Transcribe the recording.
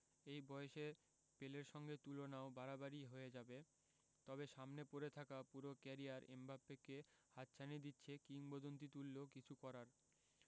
এই বয়সের পেলের সঙ্গে তুলনাও বাড়াবাড়িই হয়ে যাবে তবে সামনে পড়ে থাকা পুরো ক্যারিয়ার এমবাপ্পেকে হাতছানি দিচ্ছে কিংবদন্তিতুল্য কিছু করার